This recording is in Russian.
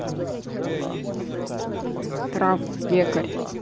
трав лекарь